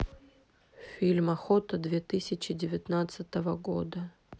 фильм охота две тысячи девятнадцатого года